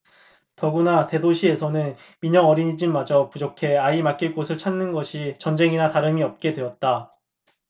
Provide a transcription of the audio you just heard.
더구나 대도시에서는 민영 어린이집마저 부족해 아이 맡길 곳을 찾는 것이 전쟁이나 다름이 없게 되었다